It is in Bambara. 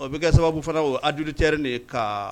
O bɛ kɛ sababu fana o adultère ka